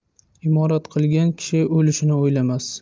imorat qilgan kishi o'lishini o'ylamas